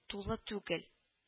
Тулы түгел: